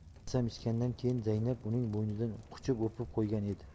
qasam ichganidan keyin zaynab uning bo'ynidan quchib o'pib qo'ygan edi